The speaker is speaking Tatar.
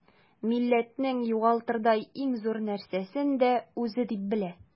Милләтнең югалтырдай иң зур нәрсәсен дә үзе дип белә.